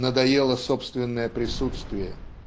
"надоело собственное присутствие".